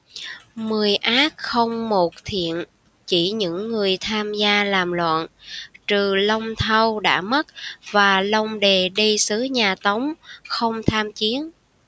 mười ác không một thiện chỉ những người tham gia làm loạn trừ long thâu đã mất và long đề đi sứ nhà tống không tham chiến